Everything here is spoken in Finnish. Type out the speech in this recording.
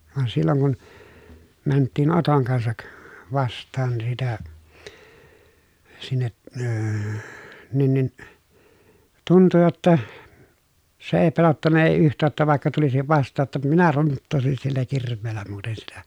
vaan silloin kun mentiin Oton kanssa vastaan sitä sinne - niin niin tuntui jotta se ei pelottanut ei yhtään että vaikka tulisi vastaan jotta minä runttaisin sillä kirveellä muuten sitä